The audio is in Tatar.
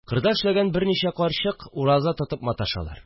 Кырда эшләгән берничә карчык ураза тотып маташалар